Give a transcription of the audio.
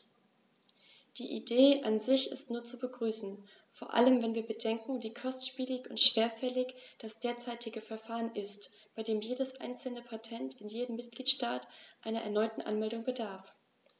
Die Idee an sich ist nur zu begrüßen, vor allem wenn wir bedenken, wie kostspielig und schwerfällig das derzeitige Verfahren ist, bei dem jedes einzelne Patent in jedem Mitgliedstaat einer erneuten Anmeldung bedarf.